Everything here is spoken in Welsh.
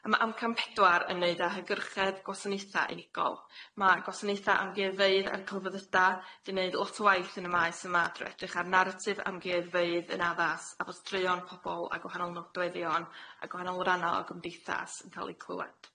A ma' amcam pedwar yn neud â hygyrchedd gwasanaetha unigol ma' gwasanaetha amgueddfeydd a'r celfyddyda di neud lot o waith yn y maes yma drw' edrych ar naratif amgueddfeydd yn addas a botreyon pobol a gwahanol nodweddion a gwahanol ranna o gymdeithas yn ca'l eu clywed.